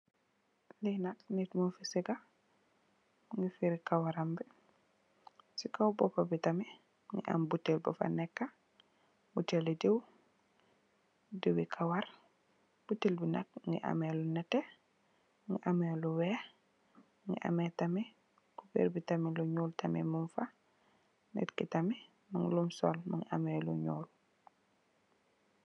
Li nak niit mofi sayga Mungi fiiri kawarambi sey kaw bopam bi tamit Mungi am butell mufa neka butelli deew dewi kawarr butell bi nak Mungi ameh lu neteh mu ameh lu weih a Mungi ameh tamit kuberr bi tamit lu nyuul Mungfa niit ki tamit lum sol Mungi ameh lu nyuul.